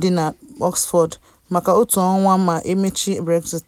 dị na Oxford maka otu ọnwa ma emechaa Brexit.